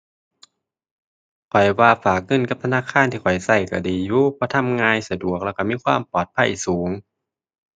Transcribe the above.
ข้อยว่าฝากเงินกับธนาคารที่ข้อยใช้ใช้ดีอยู่ เพราะทำง่าย สะดวก แล้วใช้มีความปลอดภัยสูง